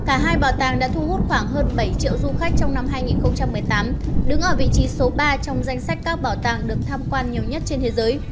cả hai bảo tàng đã thu hút khoảng hơn triệu du khách trong năm đứng ở vị trí số trong danh sách các bảo tàng được tham quan nhiều nhất trên thế giới